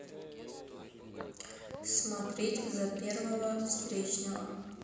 смотреть за первого встречного